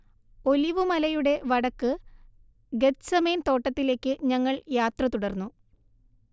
olive മലയുടെ വടക്ക് Gethsemane തോട്ടത്തിലേക്ക് ഞങ്ങൾ യാത്ര തുടർന്നു